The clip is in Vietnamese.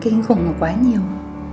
kinh khủng và quá nhiều